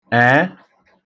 èe